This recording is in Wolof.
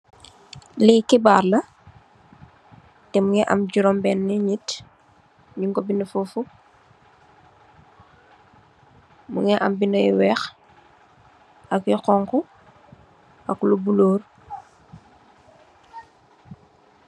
Li kibarr la mugii am jurombenni nit ñiñ ko bindi fofu mugii am bindé yu wèèx ak yu xonxu ak lu bula.